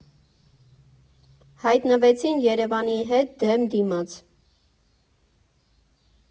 Հայտնվեցին Երևանի հետ դեմ դիմաց։